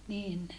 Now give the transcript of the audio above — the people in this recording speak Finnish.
niin